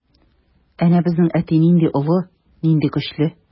Әнә безнең әти нинди олы, нинди көчле.